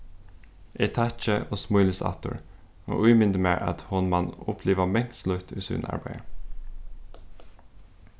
eg takki og smílist aftur og ímyndi mær at hon man uppliva mangt slíkt í sínum arbeiði